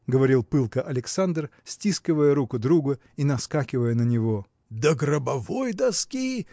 – говорил пылко Александр, стискивая руку друга и наскакивая на него. – До гробовой доски!